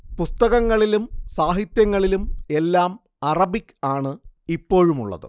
പുസ്തകങ്ങളിലും സാഹിത്യങ്ങളിലും എല്ലാം അറബിക് ആണ് ഇപ്പോഴുമുള്ളതു